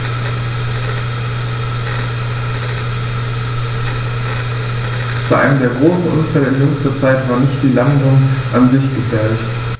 Bei einem der großen Unfälle in jüngster Zeit war nicht die Ladung an sich gefährlich.